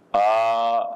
Pa